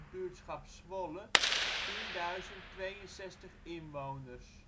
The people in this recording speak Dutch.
buurtschap Zwolle 10.062 inwoners